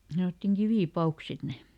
sanottiin kivipavuiksi sitten ne